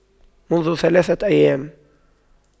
منذ ثلاثة أيام